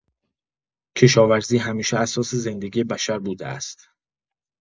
کشاورزی همیشه اساس زندگی بشر بوده است.